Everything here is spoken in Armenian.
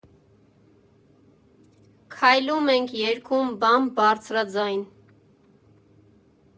Քայլում ենք, երգում՝ բամբ֊բարձրաձայն։